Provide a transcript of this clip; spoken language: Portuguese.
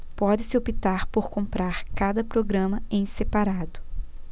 pode-se optar por comprar cada programa em separado